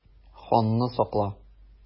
Ханны сакла!